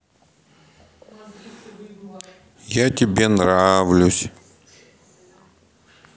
я тебе нравлюсь